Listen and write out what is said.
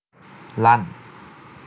ลั่น